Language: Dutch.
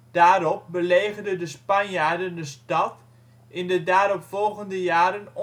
Daarop belegerde de Spanjaarden de stad in de daarop volgende jaren